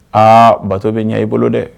Aa bato bɛ ɲɛ i bolo dɛ